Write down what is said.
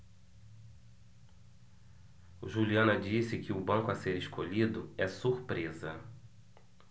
juliana disse que o banco a ser escolhido é surpresa